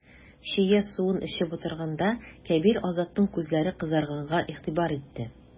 Чия суын эчеп утырганда, Кәбир Азатның күзләре кызарганга игътибар итте.